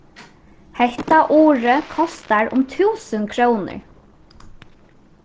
hetta urið kostar um túsund krónur